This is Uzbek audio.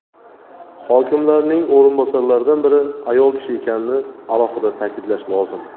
hokimlarining o'rinbosarlaridan biri ayol ekanini alohida ta'kidlash lozim